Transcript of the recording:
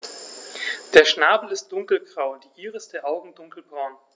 Der Schnabel ist dunkelgrau, die Iris der Augen dunkelbraun.